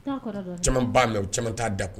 Caaman b'a mɛn, o caaman t'a da ko.